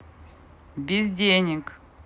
без денег